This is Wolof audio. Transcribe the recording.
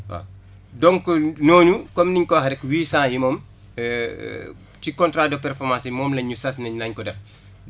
waaw donc ñooñu comme ni ñu ko waxee rek huit cent yi moom ci contrats de performance yi moom lañ ñu sas ne nañ ko def